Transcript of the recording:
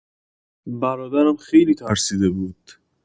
برادرم خیلی ترسیده بود.